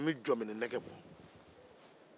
nin be jɔnminɛnɛgɛ bɔ